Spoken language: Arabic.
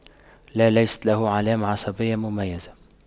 لا ليست له علامة عصبية مميزة